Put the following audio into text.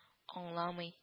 Аңламый